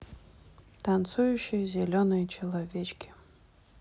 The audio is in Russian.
танцующие зеленые человечки